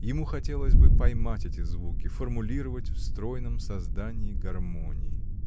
Ему хотелось бы поймать эти звуки, формулировать в стройном создании гармонии.